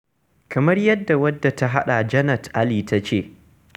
Kamar yadda wadda ta haɗa Jannat Ali ta ce: